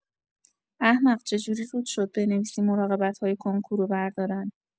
احمق چجوری روت شد بنویسی مراقبت‌های کنکورو بردارن